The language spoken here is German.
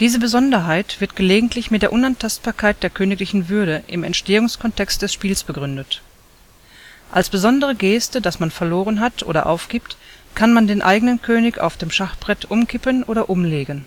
Diese Besonderheit wird gelegentlich mit der Unantastbarkeit der königlichen Würde im Entstehungskontext des Spiels begründet. Als besondere Geste, dass man verloren hat oder aufgibt, kann man den eigenen König auf dem Schachbrett umkippen oder umlegen